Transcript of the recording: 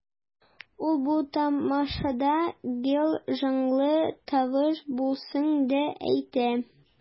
Ул бу тамашада гел җанлы тавыш буласын да әйтте.